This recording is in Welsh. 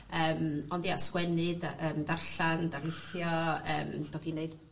yym ond ia sgwennu dy- yym darllan darlithio yym dod i neud